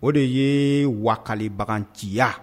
O de ye wakali bagan ciya.